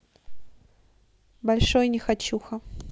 большой нехочуха